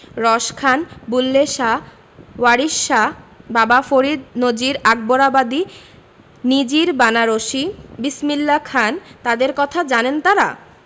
রস খান বুল্লে শাহ ওয়ারিশ শাহ বাবা ফরিদ নজির আকবরাবাদি নিজির বানারসি বিসমিল্লা খান তাঁদের কথা জানেন তাঁরা